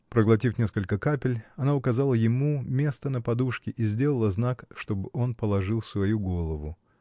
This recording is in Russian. Проглотив несколько капель, она указала ему место на подушке и сделала знак, чтоб он положил свою голову.